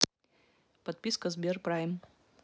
подписка сберпрайм